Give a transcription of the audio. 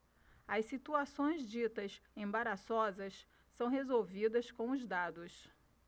as situações ditas embaraçosas são resolvidas com os dados